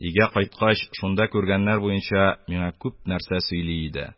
Өйгә кайткач, шунда күргәннәр буенча миңа күп нәрсә сөйли иде.